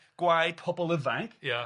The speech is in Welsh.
Gwae pobl ifanc. Ia.